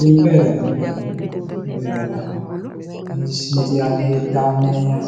Li mbedah la